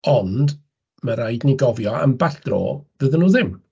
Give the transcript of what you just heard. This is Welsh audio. Ond, mae'n rhaid i ni gofio amball dro fyddan nhw ddim.